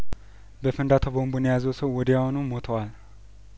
በፍንዳታው ቦንቡን የያዘው ሰው ወዲያውኑ ሞቷል